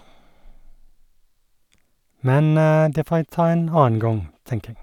Men det får en ta en annen gang, tenker jeg.